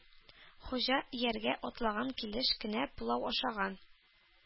Хуҗа ияргә атланган килеш кенә пылау ашаган.